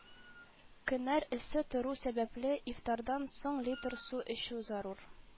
Көннәр эссе тору сәбәпле, ифтардан соң литр су эчү зарур